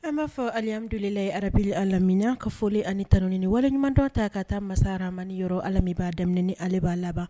An b'a fɔ alimamdulilala ye buri a lammin ka folilen ani tauni waleɲumantɔ ta ka taa masaramani yɔrɔ amibaa daminɛ ale b' laban